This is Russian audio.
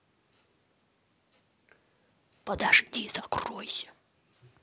подожди закройся